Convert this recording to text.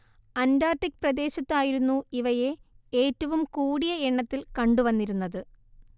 Antarctic പ്രദേശത്തായിരുന്നു ഇവയെ ഏറ്റവും കൂടിയ എണ്ണത്തിൽ കണ്ടു വന്നിരുന്നത്